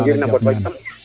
i ngirna mbomne fa jam